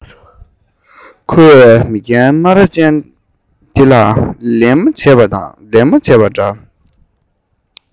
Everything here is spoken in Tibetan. ཁོས མི རྒན སྨ ར ཅན དེ ལ ལད མོ བྱས པ འདྲ